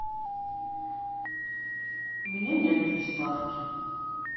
у меня нет приставки